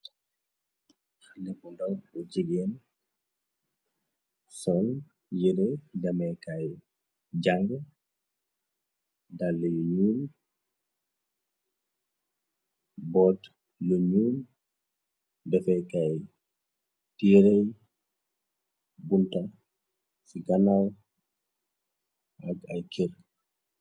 Xale bu ndaw bu jigeen, sol yire dameekay jànge, dalle yu ñuul, boot lu ñuul, defekay téerey, bunta ci ganaaw ak ay kër.